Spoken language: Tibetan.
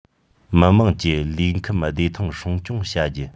མི དམངས ཀྱི ལུས ཁམས བདེ ཐང སྲུང སྐྱོང བྱ རྒྱུ